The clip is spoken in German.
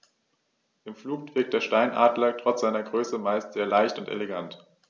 Im Flug wirkt der Steinadler trotz seiner Größe meist sehr leicht und elegant.